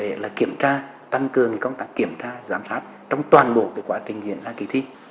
để kiểm tra tăng cường công tác kiểm tra giám sát trong toàn bộ quá trình diễn ra kỳ thi